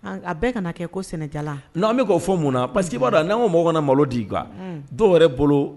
A bɛɛ ka kɛ ko sɛnɛjala' an bɛ' fɔ mun na pa que b'a la n' ko mɔgɔw kana na malo dii kuwa dɔw yɛrɛ bolo